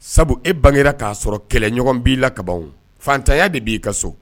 Sabu e bangera k'a sɔrɔ kɛlɛɲɔgɔn b'i la ka ban, oo! Fantanya de b'i ka so.